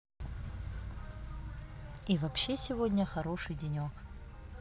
и вообще сегодня хороший денек